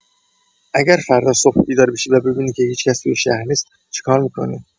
اگه فردا صبح بیدار بشی و ببینی که هیچ‌کس توی شهر نیست، چیکار می‌کنی؟